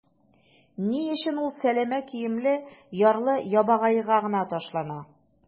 Ни өчен ул сәләмә киемле ярлы-ябагайга гына ташлана?